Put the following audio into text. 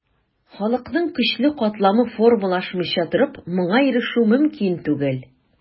Халыкның көчле катламы формалашмыйча торып, моңа ирешү мөмкин түгел.